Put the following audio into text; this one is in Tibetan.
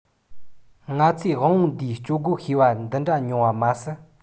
ང ཚོས དབང པོ འདིའི སྤྱོད སྒོ ཤེས པ འདི འདྲ ཉུང བ མ ཟད